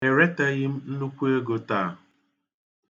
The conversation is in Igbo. Ereteghi m nnukwu ego taa.